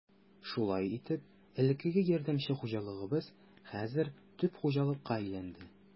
Шулай итеп, элеккеге ярдәмче хуҗалыгыбыз хәзер төп хуҗалыкка әйләнде.